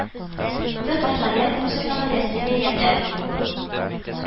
Төп мәкалә Грузиядагы рәсми бәйрәмнәр ингл